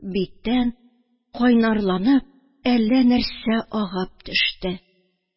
Биттән кайнарланып әллә нәрсә агып төште